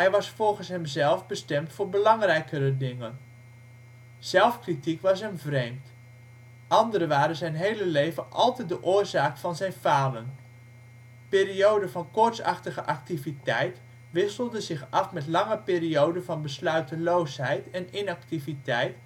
was volgens hemzelf ' bestemd voor belangrijkere dingen '. Zelfkritiek was hem vreemd: anderen waren zijn hele leven altijd de oorzaak van zijn falen. Perioden van koortsachtige activiteit wisselden zich af met lange perioden van besluiteloosheid en inactiviteit